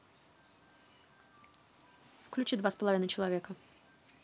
включи два с половиной человека